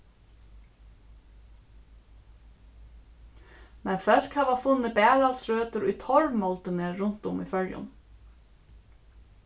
men fólk hava funnið baraldsrøtur í torvmoldini runt um í føroyum